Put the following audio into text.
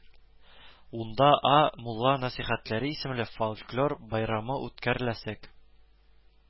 Унда А мулла нәсихәттәре исемле фольклор байрамы үткәреләсәк